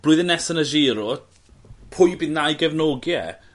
blwyddyn nesa yn y Giro pwy by' 'na i gefnogi e?